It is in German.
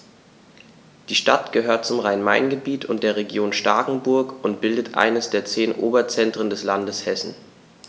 Die Stadt gehört zum Rhein-Main-Gebiet und der Region Starkenburg und bildet eines der zehn Oberzentren des Landes Hessen.